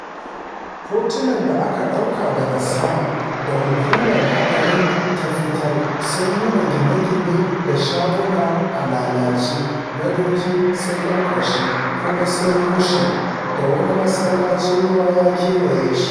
Hotunan da aka ɗauka daga sama da hukumar haɗarin ta fitar sun nuna gine-gine da shaguna a lalace, gadoji sun lankwashe kuma sun rushe da wani masallaci ruwa ya kewaye shi.